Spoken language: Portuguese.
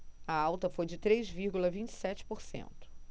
a alta foi de três vírgula vinte e sete por cento